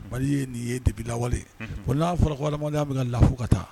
Wali ye nin ye debi lawale ko n'a fɔramaya bɛ ka lafo ka taa